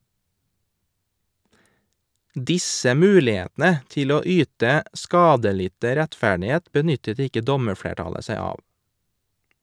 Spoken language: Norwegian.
Disse mulighetene til å yte skadelidte rettferdighet, benyttet ikke dommerflertallet seg av.